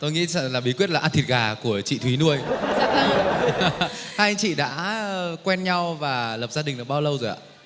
tôi nghĩ sợ là bí quyết là ăn thịt gà của chị thúy nuôi hai chị đã quen nhau và lập gia đình được bao lâu rồi ạ